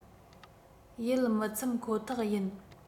ཡིད མི ཚིམ ཁོ ཐག ཡིན